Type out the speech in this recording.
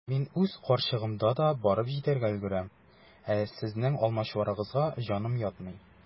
Мин үз карчыгымда да барып җитәргә өлгерәм, ә сезнең алмачуарыгызга җаным ятмый.